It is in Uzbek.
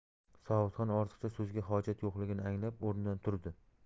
sobitxon ortiqcha so'zga hojat yo'qligini anglab o'rnidan turdi